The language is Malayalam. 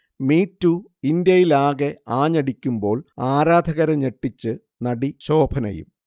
മീടു ഇന്ത്യയിലാകെ ആഞ്ഞടിക്കുമ്പോൾ ആരാധകരെ ഞെട്ടിച്ച് നടി ശോഭനയും